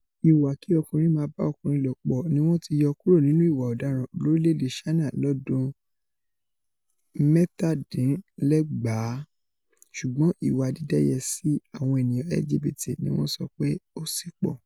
Ìwà kí ọkùnrin máa bá ọkùnrin lòpọ̀ ni wọ́n ti yọ kúrò nínú ìwà ọ̀daràn lorílẹ̀-èdè Ṣáínà lọ́dún 1997, ṣùgbọ́n ìwà dídẹ́yẹsí àwọn ènìyàn LGBT ni wọn sọ pé ó sìpọ̀.